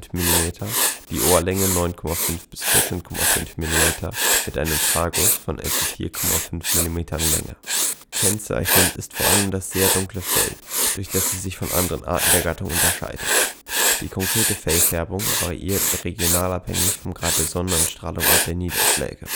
Millimeter, die Ohrlänge 9,5 bis 14,5 Millimeter mit einem Tragus von etwa 4,5 Millimetern Länge. Kennzeichnend ist vor allem das sehr dunkle Fell, durch das sie sich von anderen Arten der Gattung unterscheidet. Die konkrete Fellfärbung variiert regional abhängig vom Grad der Sonneneinstrahlung und der Niederschläge